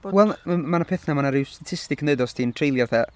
Wel m- ma' 'na pethau... Ma' 'na rhyw statistic yn deud os ti'n treulio fatha...